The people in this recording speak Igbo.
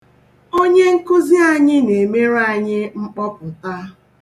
Onyenkụzi anyị na-emere anyị mkpọpụta.